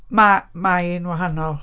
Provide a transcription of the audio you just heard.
Mae mae hi'n wahanol.